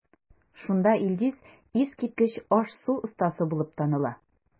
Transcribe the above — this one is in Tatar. Шунда Илгиз искиткеч аш-су остасы булып таныла.